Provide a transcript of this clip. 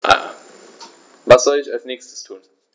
Was soll ich als Nächstes tun?